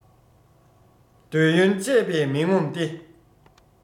འདོད ཡོན སྤྱད པས མི ངོམས ཏེ